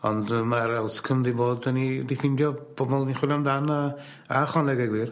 Ond yym ma'r outcome 'di bod 'dan ni 'di ffindio pobol o'n i chwilio amdan a a chwaneg deu gwir.